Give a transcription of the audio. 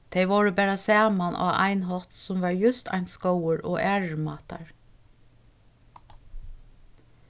tey vóru bara saman á ein hátt sum var júst eins góður og aðrir mátar